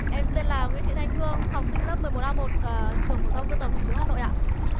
em tên là nguyễn thị thanh hương học sinh lớp mười một a một ờ trường phổ thông dân tộc nội trú hà nội ạ